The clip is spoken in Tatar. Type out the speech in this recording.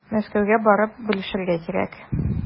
Мәскәүгә барып белешергә кирәк.